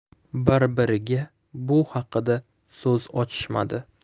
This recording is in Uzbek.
bir biriga bu xaqida so'z ochishmadi